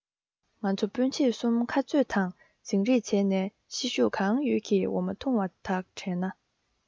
ང ཚོ སྤུན མཆེད གསུམ ཁ རྩོད དང འཛིང རེས བྱེད ནས ཤེད ཤུགས གང ཡོད ཀྱིས འོ མ འཐུང བ དག དྲན ན